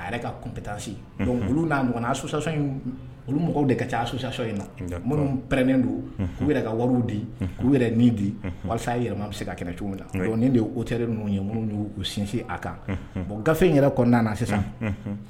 A yɛrɛ ka kunpta olu'a msɔ olu mɔgɔw de ka ca a soso in na minnu pɛrɛnɛnen don u yɛrɛ ka wari di u yɛrɛ nin di walasa yɛrɛma bɛ se ka kɛnɛ cogo la de' teri nu ye minnu uu sinsin a kan gafe in yɛrɛ kɔnɔna na sisan